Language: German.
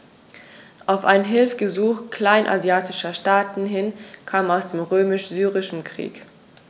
Auf ein Hilfegesuch kleinasiatischer Staaten hin kam es zum Römisch-Syrischen Krieg.